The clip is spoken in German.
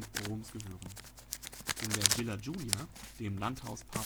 Roms gehören. In der Villa Giulia, dem Landhaus